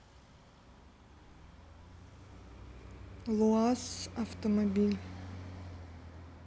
луаз автомобиль